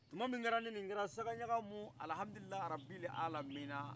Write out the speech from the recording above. tuma min kɛra ni ni kɛra sagaɲagamu arabe